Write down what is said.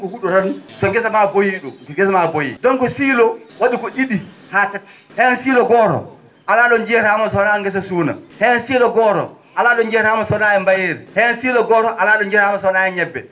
?um ko hu?o tan so ngesa mba boyii ?um so ngesa mba boyii donc siiloo wa?i ko ?i?i haa tati heen siiloo gooto alaa ?o jiiyataa oon so wonaa ngesa suuna heen siiloo gooto alaa ?o njiyataa mbo so wonaa e mbayeeri heen siiloo gooto alaa ?o njiyataa mbo so wonaa ñebbe